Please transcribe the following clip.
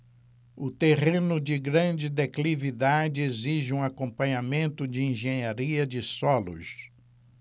o terreno de grande declividade exige um acompanhamento de engenharia de solos